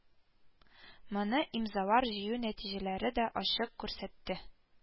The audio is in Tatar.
Моны имзалар җыю нәтиҗәләре дә ачык күрсәтте